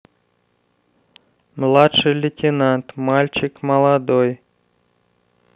младший лейтенант мальчик молодой